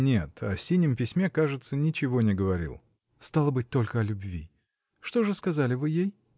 — Нет, о синем письме, кажется, ничего не говорил. — Стало быть, только о любви. Что же сказали вы ей?